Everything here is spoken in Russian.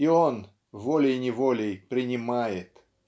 и он волей-неволей принимает.